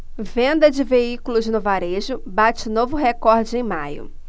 venda de veículos no varejo bate novo recorde em maio